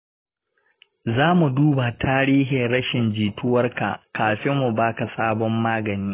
za mu duba tarihin rashin jituwar ka kafin mu ba ka sabon magani.